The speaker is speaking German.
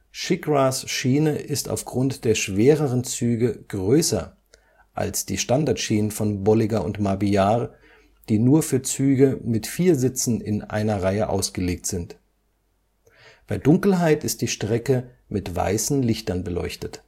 SheiKras Schiene ist aufgrund der schwereren Züge größer als die Standardschienen von Bolliger & Mabillard, die nur für Züge mit vier Sitzen in einer Reihe ausgelegt sind. Bei Dunkelheit ist die Strecke mit weißen Lichtern beleuchtet